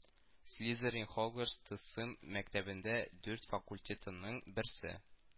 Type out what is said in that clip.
Слизерин Хогвартс тылсым мәктәбендә дүрт факультетынын берсе